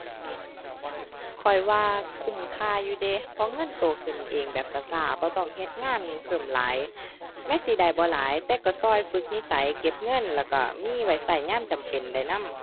ข้อยว่าคุ้มค่าอยู่เดะ เพราะเงินโตขึ้นเองแบบช้าช้า บ่ต้องเฮ็ดงานเพิ่มหลาย แม้สิได้บ่หลายแต่ช้าช้าฝึกนิสัยเก็บเงิน แล้วช้ามีไว้ช้ายามจำเป็นได้นำ